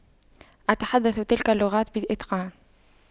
أتحدث تلك اللغات بإتقان